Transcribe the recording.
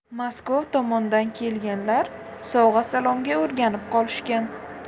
maskov tomondan kelganlar sovg'a salomga o'rganib qolishgan